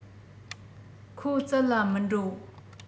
ཁོ བཙལ ལ མི འགྲོ